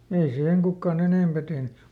ei siihen kukaan enempää tehnyt